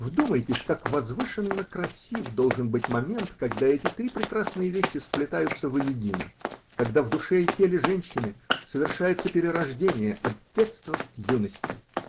Вдумайтесь, как возвышенно красив должен быть момент, когда эти три прекрасные вещи сплетаются воедино -- когда в душе и теле женщины совершается перерождение от детства к юности!